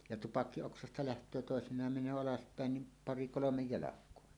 ja tupakkioksasta lähtee toisinaan menee alaspäin niin pari kolme jalkaa